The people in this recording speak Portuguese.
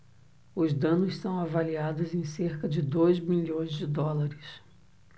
os danos são avaliados em cerca de dois milhões de dólares